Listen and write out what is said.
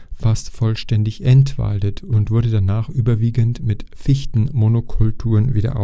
fast vollständig entwaldet und wurde danach überwiegend mit Fichtenmonokulturen wieder